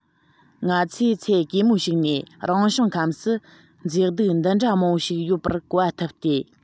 ང ཚོས ཚད གེ མོ ཞིག ནས རང བྱུང ཁམས སུ མཛེས སྡུག འདི འདྲ མང པོ ཞིག ཡོད པར གོ བ ཐུབ ཏེ